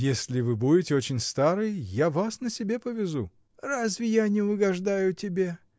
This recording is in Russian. — Если вы будете очень стары, я вас на себе повезу! — Разве я не угождаю тебе?